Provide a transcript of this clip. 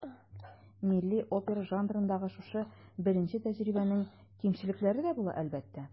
Милли опера жанрындагы шушы беренче тәҗрибәнең кимчелекләре дә була, әлбәттә.